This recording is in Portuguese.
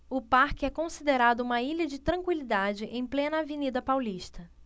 o parque é considerado uma ilha de tranquilidade em plena avenida paulista